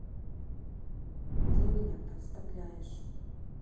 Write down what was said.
ты меня подставляешь